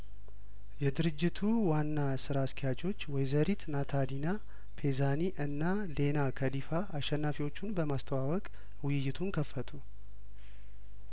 የድርጅቱ ዋና ስራ አስኪያጆች ወይዘሪትና ታሊና ፔዛኒ እና ሌና ከሊፋ አሸናፊዎቹን በማስተዋወቅ ውይይቱን ከፈቱ